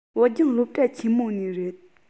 བོད ལྗོངས སློབ གྲྭ ཆེན མོ ནས རེད